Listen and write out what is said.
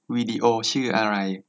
วิดีโอชื่ออะไร